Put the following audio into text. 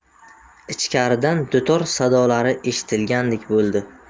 ichkaridan dutor sadolari eshitilgandek bo'ldi